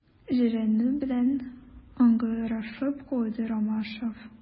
Җирәнү белән ыңгырашып куйды Ромашов.